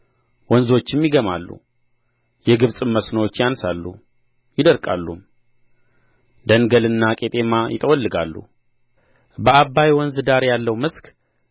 ወንዞቹም ይገማሉ የግብጽም መስኖች ያንሳሉ ይደርቃሉም ደንገልና ቄጤማ ይጠወልጋሉ በዓባይ ወንዝ ዳር ያለው መስክ